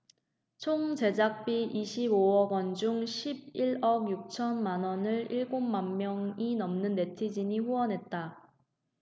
총 제작비 이십 오 억원 중 십 일 억 육천 만원을 일곱 만명이 넘는 네티즌이 후원했다